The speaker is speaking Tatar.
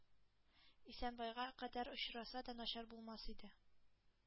Исәнбайга кадәр очраса да начар булмас иде.